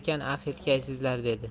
kelar ekan afv etgaysizlar dedi